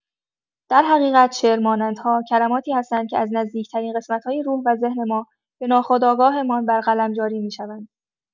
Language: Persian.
در حقیقت «شعرمانندها» کلماتی هستند که از نزدیک‌ترین قسمت‌های روح و ذهن ما به ناخودآگاهمان بر قلم جاری می‌شوند.